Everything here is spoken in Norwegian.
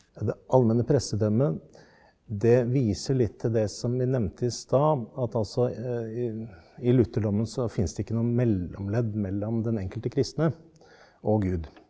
det allmenne prestedømmet det viser litt til det som vi nevnte i sted at altså i i lutherdommen så fins det ikke noe mellomledd mellom den enkelte kristne og gud.